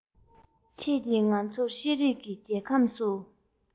ཁྱེད ཀྱིས ང ཚོར ཤེས རིག གི རྒྱལ ཁམས སུ